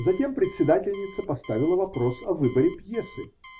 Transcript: Затем председательница поставила вопрос о выборе пьесы.